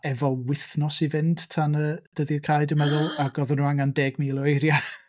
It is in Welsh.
Efo wythnos i fynd tan y dyddiad cau, dwi'n meddwl... a! ...ac oedden nhw angen deg mil o eiriau .